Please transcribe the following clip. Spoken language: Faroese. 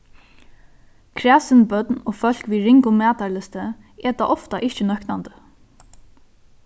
kræsin børn og fólk við ringum matarlysti eta ofta ikki nøktandi